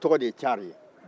wara tɔgɔ de cari ye